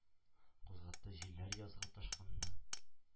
Кузгатты җилләр язгы ташкынны,